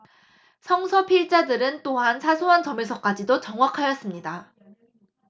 성서 필자들은 또한 사소한 점에서까지도 정확하였습니다